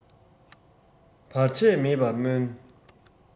བར ཆད མེད པར སྨོན